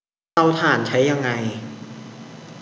เตาถ่านใช้ยังไง